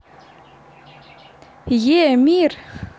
yeah мир